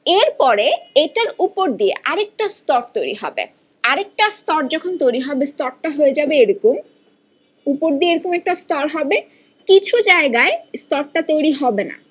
এরপরে এটার উপর দিয়ে আরেকটা স্তর তৈরি হবে আরেকটা স্তর যখন তৈরি হবে স্তর টা হয়ে যাবে এরকম উপর দিয়ে রকম একটা স্তর হবে কিছু জায়গার স্তরটা তৈরি হবে না